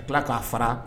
A tila k'a fara